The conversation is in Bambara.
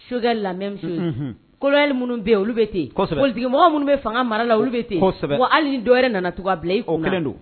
Sokɛ lamɛn kolo minnu bɛ yen olu bɛ ten yenmɔgɔ minnu bɛ fanga mara la olu bɛ ten yen hali ni dɔwɛrɛ nana tu bila i kɔ kɛlen don